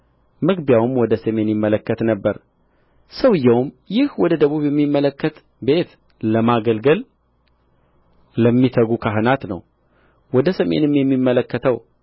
መግቢያውም ወደ ሰሜን ይመለከት ነበር ሰውዬውም ይህ ወደ ደቡብ የሚመለከት ቤት ለማገልገል ለሚተጉ ካህናት ነው ወደ ሰሜንም የሚመለከተው